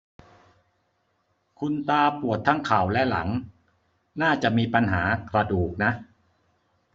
คุณตาปวดทั้งเข่าและหลังน่าจะมีปัญหากระดูกนะ